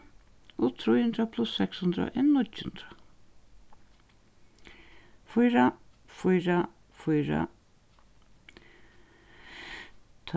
og trý hundrað pluss seks hundrað er níggju hundrað fýra fýra fýra